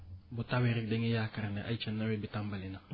bu tawee rekk dañuy yaakaar ne ayca nawet bi tàmbale na